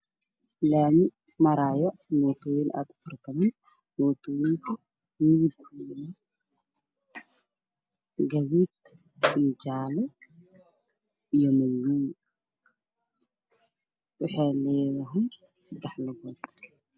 Laami marayo mootooyin aada u tiro badan mootooyinka midabkooda gaduud iyo jaalo iyo madow waxay leedahay saddex lugood